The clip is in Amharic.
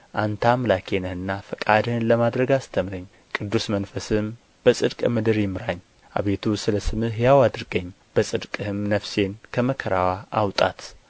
አንተ አምላኬ ነህና ፈቃድህን ለማድረግ አስተምረኝ ቅዱስ መንፈስህም በጽድቅ ምድር ይምራኝ አቤቱ ስለ ስምህ ሕያው አድርገኝ በጽድቅህም ነፍሴን ከመከራዋ አውጣት